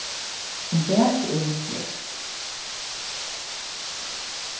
um bakið er hon svørt